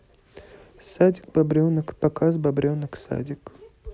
садик бобренок показ бобренок садик